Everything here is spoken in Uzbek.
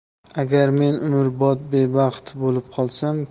agar men umrbod bebaxt bo'lib qolsam